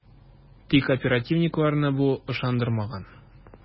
Тик оперативникларны бу ышандырмаган ..